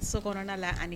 So kɔnɔna la ani